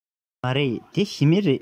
མ རེད འདི ཞི མི རེད